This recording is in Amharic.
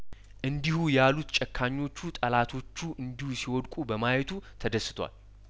እንዲሁ ያሉት ጨካ ኞቹ ጠላቶቹ እንዲህ ሲወድቁ በማየቱ ተደስቷል